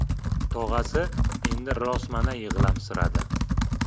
tog'asi endi rosmana yig'lamsiradi